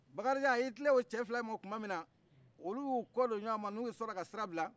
bakarijan y'i tilen o cɛ fila yin ma tumamina olu y'u kɔdo ɲɔna n'u sɔrɔla ka sira bila